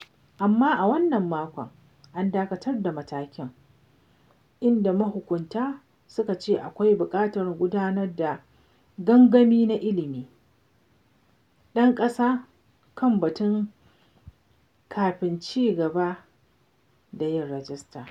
Amma a wannan makon, an dakatar da matakin, inda mahukunta suka ce akwai buƙatar gudanar da gangami na "ilimin ɗan ƙasa" kan batun kafin ci gaba da yin rajista.